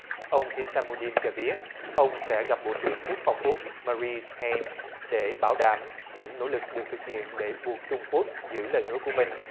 ông hi xa mu đin cho biết ông sẽ gặp bộ trưởng quốc phòng úc ma ri pen để bảo đảm những nỗ lực được thực hiện để buộc trung quốc giữ lời hứa của mình